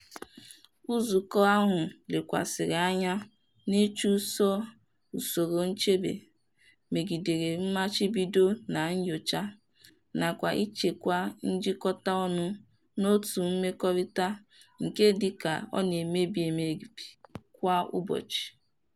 Nzukọ ahụ lekwasịrị anya n'ịchụso usoro nchebe megidere mmachibido na nnyocha, nakwa ichekwa njikọta ọnụ n'òtù mmekọrịta nke dị ka ọ na-emebi emebi kwa ụbọchị.